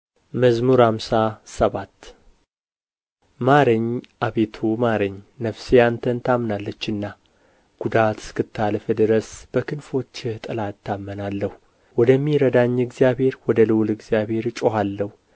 መዝሙር ሃምሳ ሰባት ማረኝ አቤቱ ማረኝ ነፍሴ አንተን ታምናለችና ጉዳት እስክታልፍ ድረስ በክንፎችህ ጥላ እታመናለሁ ወደሚረዳኝ እግዚአብሔር ወደ ልዑል እግዚአብሔር እጮኻለሁ